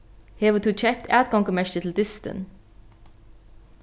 hevur tú keypt atgongumerki til dystin